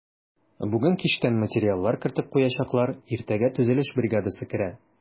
Бүген кичтән материаллар кертеп куячаклар, иртәгә төзелеш бригадасы керә.